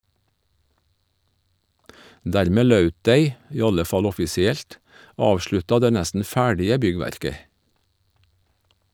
Dermed laut dei - i alle fall offisielt - avslutta det nesten ferdige byggverket.